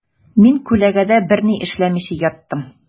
Мин күләгәдә берни эшләмичә яттым.